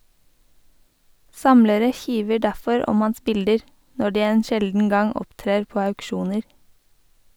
Samlere kiver derfor om hans bilder, når de en sjelden gang opptrer på auksjoner.